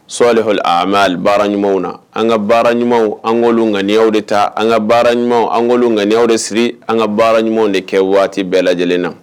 Sɔhl a bɛ baara ɲumanw na an ka baara ɲumanw an nkayaw de taa an ka baara ɲuman angw de siri an ka baara ɲumanw de kɛ waati bɛɛ lajɛlen na